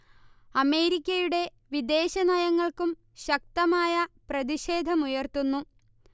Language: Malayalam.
അമേരിക്കയുടെ വിദേശനയങ്ങൾക്കും ശക്തമായ പ്രതിഷേധമുയർത്തുന്നു